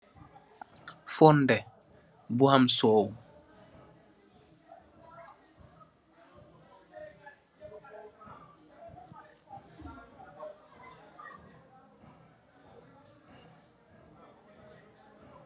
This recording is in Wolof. Fonde bu ham soow